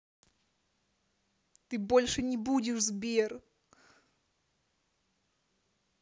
ты больше не будешь сбер